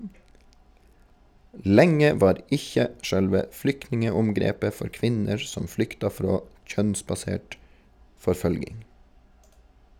Lenge var ikkje sjølve flyktninge-omgrepet for kvinner som flykta frå kjønnsbasert forfølging.